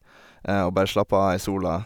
Og bare slapper av i sola.